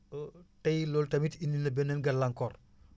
tay loolu tamit indi na beneen gàllankoor